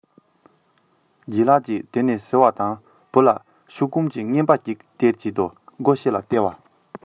ལྗད ལགས ཀྱིས དེ ནས ཟེར བ དང བུ ལ ཕྱུར སྐོམ གྱི བརྔན པ གཅིག སྟེར གྱིན དུ སྒོ ཕྱོགས ལ བལྟས